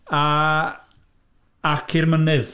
A... ac i'r mynydd.